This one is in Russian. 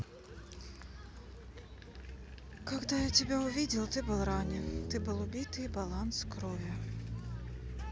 когда я тебя увидел ты был ранен ты был убитый баланс крови